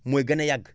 mooy gën a yàgg